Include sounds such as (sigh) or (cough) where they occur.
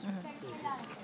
(hesitation) (hesitation) (crosstalk)